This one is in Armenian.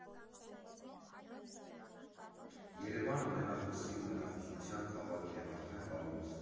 Երևանը մենախոսի ու մենախոսության քաղաք է՝ արդեն վաղուց։